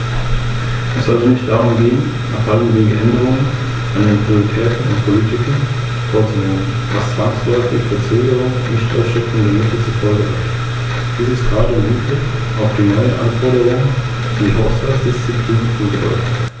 Einen letzten Punkt möchte ich noch ansprechen: Wir dürfen uns nicht damit begnügen, eine weitere Lücke im Sicherheitsnetz zu schließen und die Augen davor zu verschließen, dass beim Thema Verkehrssicherheit in Europa noch viel mehr zu tun ist.